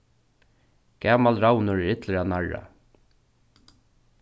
gamal ravnur er illur at narra